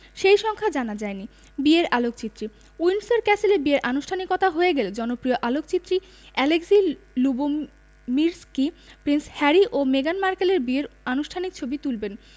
সেই সংখ্যা জানা যায়নি বিয়ের আলোকচিত্রী উইন্ডসর ক্যাসেলে বিয়ের আনুষ্ঠানিকতা হয়ে গেলে জনপ্রিয় আলোকচিত্রী অ্যালেক্সি লুবোমির্সকি প্রিন্স হ্যারি ও মেগান মার্কেলের বিয়ের আনুষ্ঠানিক ছবি তুলবেন